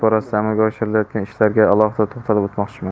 borasida amalga oshirilayotgan ishlarga alohida to'xtalib o'tmoqchiman